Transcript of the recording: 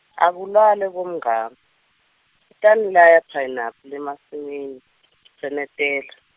Akulalwe bomngamu utanilaya, phayinaphu lensimini senetela.